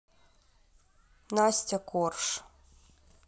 настя корж